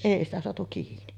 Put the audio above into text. ei sitä saatu kiinni